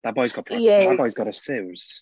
That boy's got prob- that boys got issues.